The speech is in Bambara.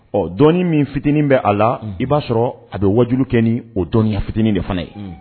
Ɔ dɔ min fitinin bɛ a la i b'a sɔrɔ a bɛ wajulu kɛ ni o dɔnya fitinin de fana ye